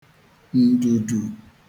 ndùdù